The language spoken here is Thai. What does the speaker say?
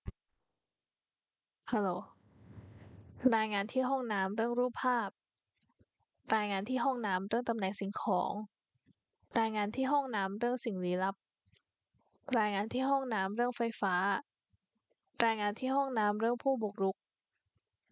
รายงานที่ห้องน้ำเรื่องสิ่งลี้ลับ